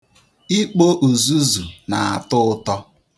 Ikpo uzuzu na-atọ ụtọ.